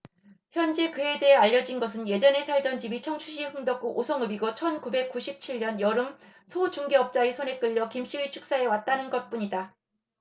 현재 그에 대해 알려진 것은 예전에 살던 집이 청주시 흥덕구 오송읍이고 천 구백 구십 칠 년 여름 소 중개업자의 손에 끌려 김씨의 축사에 왔다는 것뿐이다